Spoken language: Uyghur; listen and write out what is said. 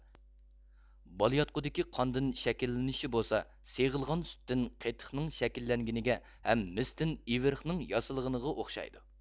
بالىياتقۇدىكى قاندىن شەكىللىنىشى بولسا سېغىلغان سۈتتىن قېتىقنىڭ شەكىللەنگىنىگە ھەم مىستىن ئىۋرىقنىڭ ياسالغىنىغا ئوخشايدۇ